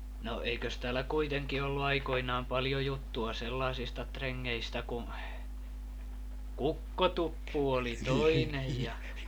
no eikös täällä kuitenkin ollut aikoinaan paljon juttua sellaisista rengeistä kuin Kukkotuppu oli toinen ja